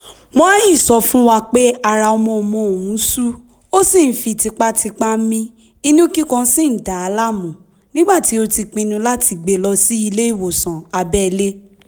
Moahi sọ fún wa pé ara ọmọ-ọmọ òun sú ó sì ń fi tipátipá mí inú kíkan sì ń dàá láàmú nígbà tí ó pinnu láti gbé e lọ sí ilé ìwòsàn abẹ́lé.